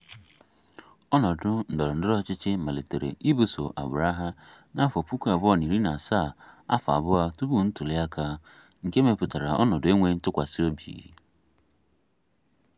Ọnọdụ ndọrọndọrọ ọchịchị malitere ibuso agbụrụ agha n'afọ 2017, afọ abụọ tụpụ ntuliaka, nke mepụtara ọnọdụ enweghị ntụkwasị obi.